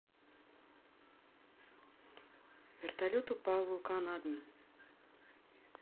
вертолет упал в вулкан adme